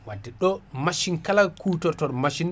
wadde ɗo machine kala kutortoɗo machine